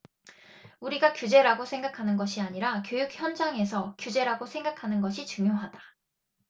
우리가 규제라고 생각하는 것이 아니라 교육 현장에서 규제라고 생각하는 것이 중요하다